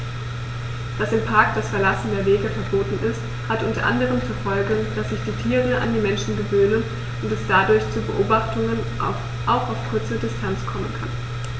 Dass im Park das Verlassen der Wege verboten ist, hat unter anderem zur Folge, dass sich die Tiere an die Menschen gewöhnen und es dadurch zu Beobachtungen auch auf kurze Distanz kommen kann.